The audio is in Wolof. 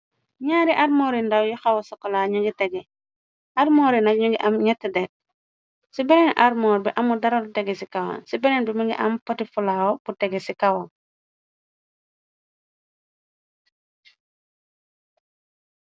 Ñaari armoor yu ndaw yu xawa sokola ñu ngi tegee, armoor yi nak ñu ngi am ñatti dekk, ci beneen armoor bi, amul daral lobtege ci kawam, ci beneen bi mingi am poti folawa bu tege ci kawam.